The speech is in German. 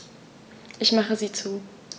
Ich mache sie zu.